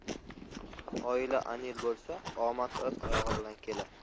oila anil bo'lsa omad o'z oyog'i bilan kelar